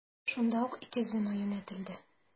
Шунда ук ике звено юнәтелде.